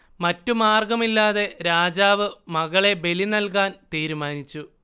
മറ്റു മാർഗ്ഗമില്ലാതെ രാജാവ് മകളെ ബലി നൽകാൻ തീരുമാനിച്ചു